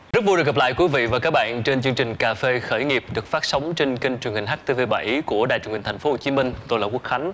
rất vui được gặp lại quý vị và các bạn trên chương trình cà phê khởi nghiệp được phát sóng trên kênh truyền hình hát tê vê bảy của đài truyền hình thành phố hồ chí minh tôi là quốc khánh